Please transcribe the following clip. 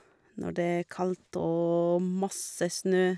Når det er kaldt og masse snø.